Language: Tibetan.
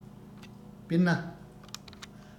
དཔེར ན